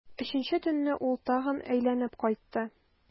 Өченче төнне ул тагын әйләнеп кайтты.